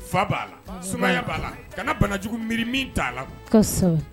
Fa b'a la sumaya b'a la ka banajugu miiri min t'a la